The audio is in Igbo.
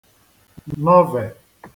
nọvè